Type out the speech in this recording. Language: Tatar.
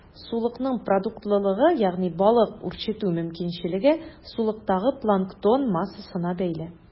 Сулыкның продуктлылыгы, ягъни балык үрчетү мөмкинчелеге, сулыктагы планктон массасына бәйле.